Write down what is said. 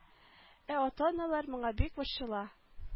Ә ата-аналар моңа бик борчыла